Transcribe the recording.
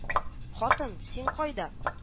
— хатын, син кайда